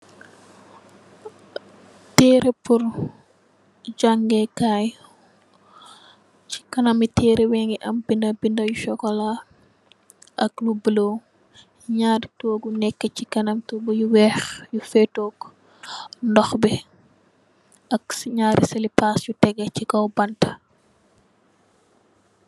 tereh pur jangeekai ci kanami tereh bi mingi am binda binda yu chokola ak yu bulo nyari togu yu neek ci kanam togu yu weex yu fetog ndoh bi ak nyari silipers yu tego ci kaw banta